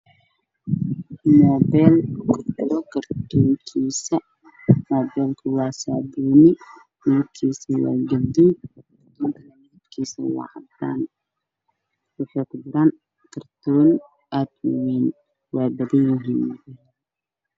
Waa muubeel iyo kartoonkiisa. Muubeelka midabkiisu mudi kartoonku waa cadaan wayna badan yihiin.